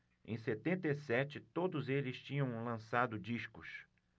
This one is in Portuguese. em setenta e sete todos eles tinham lançado discos